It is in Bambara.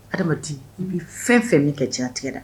Adama di i bɛ fɛn fɛn min kɛ ca tigɛ dɛ